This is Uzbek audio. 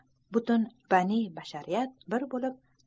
butun bani bashar bir bo'lib